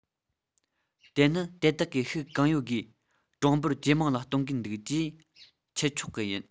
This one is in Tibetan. དེ ནི དེ དག གིས ཤུགས གང ཡོད སྒོས གྲངས འབོར ཇེ མང ལ གཏོང གིན འདུག ཅེས འཆད ཆོག གི ཡིན